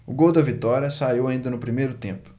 o gol da vitória saiu ainda no primeiro tempo